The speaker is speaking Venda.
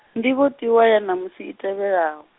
ndivhotiwa ya ṋamusi i tevhelaho.